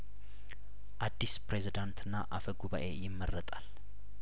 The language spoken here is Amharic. አዲስ ፕሬዝዳንትና አፈጉባኤ ይመረ ጣል